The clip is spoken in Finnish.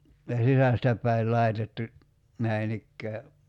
ja sisästä päin laitettu näin ikään